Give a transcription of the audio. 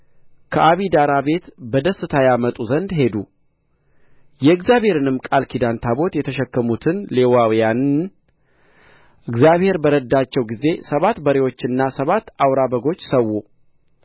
ከአቢዳራ ቤት በደስታ ያመጡ ዘንድ ሄዱ የእግዚአብሔርንም ቃል ኪዳን ታቦት የተሸከሙትን ሌዋውያንን እግዚአብሔር በረዳቸው ጊዜ ሰባት በሬዎችና ሰባት አውራ በጎች ሰዉ